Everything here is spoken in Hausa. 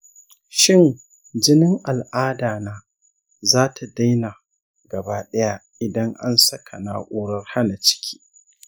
shin jinin al'ada na za ta daina gaba ɗaya idan an saka na’urar hana ciki ?